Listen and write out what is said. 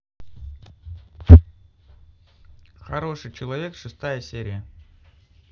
хороший человек шестая серия